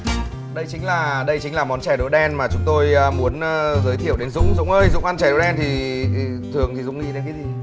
đây chính là đây chính là món chè đỗ đen mà chúng tôi muốn giới thiệu đến dũng dũng ơi dũng ăn chè đỗ đen thì thường thì dũng nghĩ đến cái gì